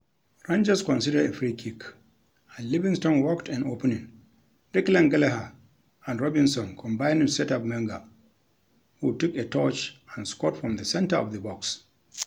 Rangers conceded a free-kick and Livingston worked an opening, Declan Gallagher and Robinson combining to set up Menga, who took a touch and scored from the center of the box.